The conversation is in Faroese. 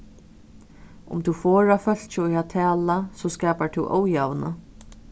um tú forðar fólki í at tala so skapar tú ójavna